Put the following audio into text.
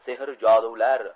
sehr jodular